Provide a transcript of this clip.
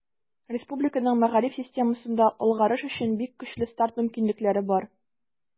Республиканың мәгариф системасында алгарыш өчен бик көчле старт мөмкинлекләре бар.